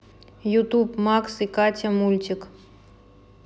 ютуб макс и катя мультик